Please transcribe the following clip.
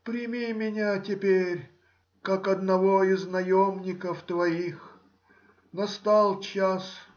— Прими меня теперь как одного из наемников твоих! Настал час.